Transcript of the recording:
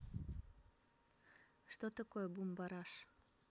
что такое бумбараш